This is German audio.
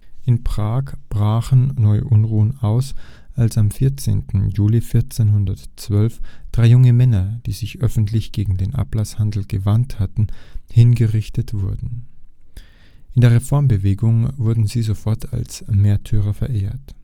In Prag brachen neue Unruhen aus, als am 14. Juli 1412 drei junge Männer, die sich öffentlich gegen den Ablasshandel gewandt hatten, hingerichtet wurden. In der Reformbewegung wurden sie sofort als Märtyrer verehrt